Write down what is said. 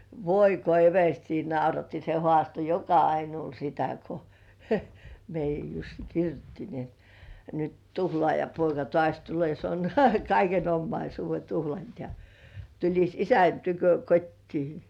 voi kun everstiä nauratti se haastoi joka ainoalle sitä kun meidän Jussi kirjoitti niin että nyt tuhlaajapoika taas tulee se on naurahtaa kaiken omaisuuden tuhlannut ja tulisi isän tykö kotiin